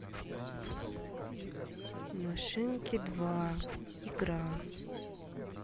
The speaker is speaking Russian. машинки два игра